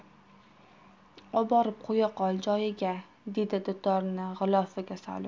oborib qo'ya qol joyiga dedi dutorni g'ilofga solib